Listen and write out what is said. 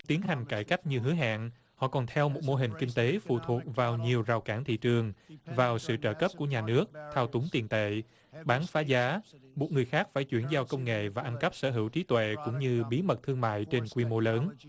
tiến hành cải cách như hứa hẹn họ còn theo một mô hình kinh tế phụ thuộc vào nhiều rào cản thị trường vào sự trợ cấp của nhà nước thao túng tiền tệ bán phá giá buộc người khác phải chuyển giao công nghệ và ăn cắp sở hữu trí tuệ cũng như bí mật thương mại trên quy mô lớn